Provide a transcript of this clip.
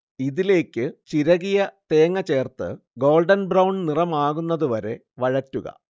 ഇതിലേക്ക് ചിരകിയ തേങ്ങ ചേർത്ത് ഗോൾഡൻ ബ്രൌൺ നിറമാകുന്നതുവരെ വഴറ്റുക